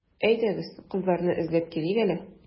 Әйдәгез, кызларны эзләп килик әле.